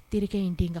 Terikɛ in den ka